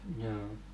juu